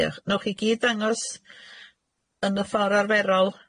Diolch. 'Newch chi' gyd dangos yn y ffor' arferol?